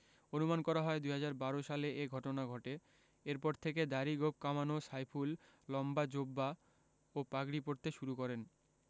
অনুমান করা হয় ২০১২ সালে এ ঘটনা ঘটে এরপর থেকে দাড়ি গোঁফ কামানো সাইফুল লম্বা জোব্বা ও পাগড়ি পরতে শুরু করেন